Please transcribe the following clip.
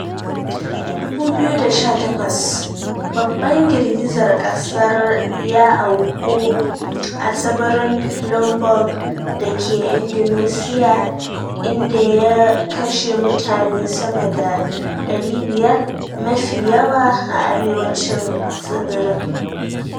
2018: Babban girgizar kasar ya auku a tsibirin Lombok dake Indonesiya, inda ya kashe mutane sama da 500, mafi yawa a arewacin tsibirin.